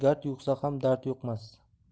gard yuqsa ham dard yuqmas